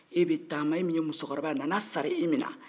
e b'i taama e min ye musokɔrɔba a nana a sara e min na